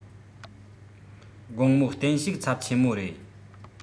དགོང མོ བསྟན བཤུག ཚབས ཆེན མོ རེ